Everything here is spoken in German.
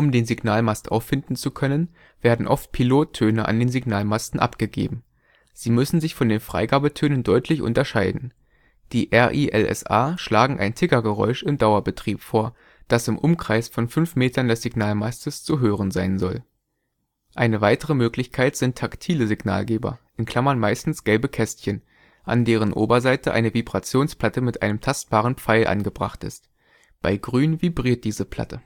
den Signalmast auffinden zu können, werden oft Pilottöne an den Signalmasten abgegeben. Sie müssen sich von den Freigabetönen deutlich unterscheiden. Die RiLSA schlagen ein Tickergeräusch im Dauerbetrieb vor, das im Umkreis von 5 m des Signalmastes zu hören sein soll. Eine weitere Möglichkeit sind taktile Signalgeber (meistens gelbe Kästchen) an deren Oberseite eine Vibrationsplatte mit einem tastbaren Pfeil angebracht ist. Bei Grün vibriert diese Platte